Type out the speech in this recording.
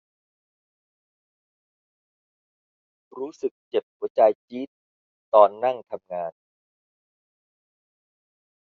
รู้สึกเจ็บหัวใจจี๊ดตอนนั่งทำงาน